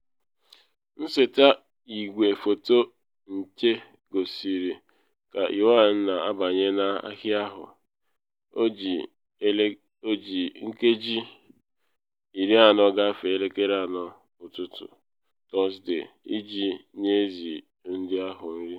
Nseta igwefoto nche gosiri ka Yuan na abanye n’ahịa ahụ 4:40 ụtụtụ Tọsde iji nye ezi ndị ahụ nri.